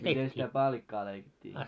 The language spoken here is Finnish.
mitenkäs sitä paalikkaa leikittiin